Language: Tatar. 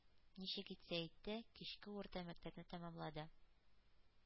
Ничек итсә итте, кичке урта мәктәпне тәмамлады.